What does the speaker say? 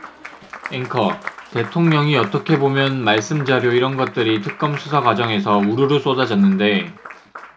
앵커 대통령이 어떻게 보면 말씀자료 이런 것들이 특검 수사 과정에서 우루루 쏟아졌는데